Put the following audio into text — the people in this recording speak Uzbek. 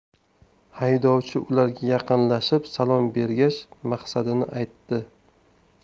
haydovchi ularga yaqinlashib salom bergach maqsadini aytdi